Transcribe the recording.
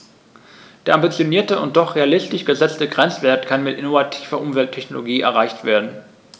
Der ambitionierte und doch realistisch gesetzte Grenzwert kann mit innovativer Umwelttechnologie erreicht werden.